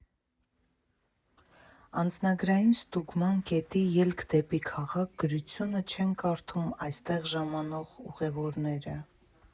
Անձնագրային ստուգման կետի «Ելք դեպի քաղաք» գրությունը չեն կարդում այստեղ ժամանող ուղևորները։